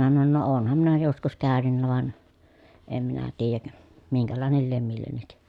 minä sanoin no olenhan minä joskus käynyt vaan en minä tiedä minkälainen lie millekin